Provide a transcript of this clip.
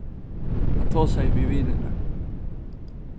hann tosaði við vinirnar